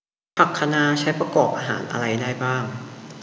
ผักคะน้าใช้ประกอบอาหารอะไรได้บ้าง